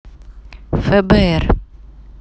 фбр